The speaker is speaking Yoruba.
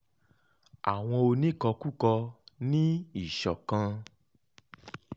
Àwọn oníkọkúkọ ní ìṣọ̀kan